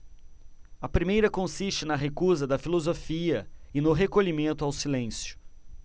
a primeira consiste na recusa da filosofia e no recolhimento ao silêncio